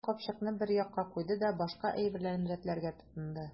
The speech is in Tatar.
Ул капчыкны бер якка куйды да башка әйберләрен рәтләргә тотынды.